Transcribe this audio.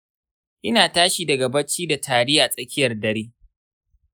ina tashi daga bacci da tari a tsakiyar dare.